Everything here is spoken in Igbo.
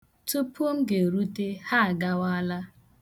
Tupu m ga-erute, ha agawala.